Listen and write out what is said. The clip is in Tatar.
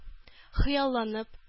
Хыялланып